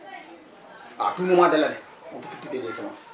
à tout momemnt de l' année on peut cultiver des semences